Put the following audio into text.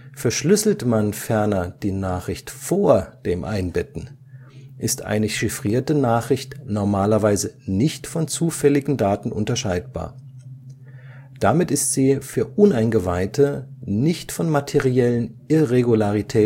Verschlüsselt man ferner die Nachricht vor dem Einbetten, ist eine chiffrierte Nachricht normalerweise nicht von zufälligen Daten unterscheidbar. Damit ist sie für uneingeweihte nicht von materiellen Irregularitäten